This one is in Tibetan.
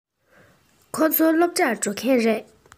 ཁོ ཚོ སློབ གྲྭར འགྲོ མཁན རེད